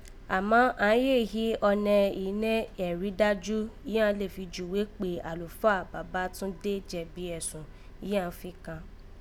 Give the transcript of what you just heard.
Àmá, àán jí éè hí ọnẹ́ nẹ́ ẹ̀rí yìí dájú yìí lè júwe kpé àlùfáà Babâtúndé jẹ̀bi ẹ̀sùn yii ọn fi kàn án